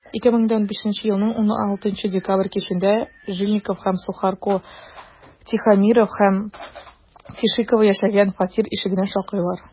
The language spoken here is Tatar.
2015 елның 16 декабрь кичендә жильников һәм сухарко тихомиров һәм кешикова яшәгән фатир ишегенә шакыйлар.